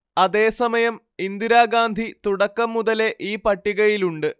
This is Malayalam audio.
അതേ സമയം ഇന്ദിരാഗാന്ധി തുടക്കം മുതലേ ഈ പട്ടികയിലുണ്ട്